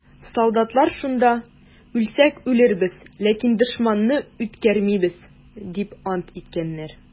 Солдатлар шунда: «Үлсәк үләрбез, ләкин дошманны үткәрмәбез!» - дип ант иткәннәр.